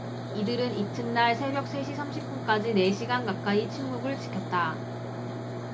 이들은 이튿날 새벽 세 시 삼십 분까지 네 시간 가까이 침묵을 지켰다